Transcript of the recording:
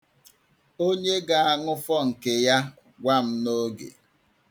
Onye ga-anụfọ nke ya gwa m n'oge.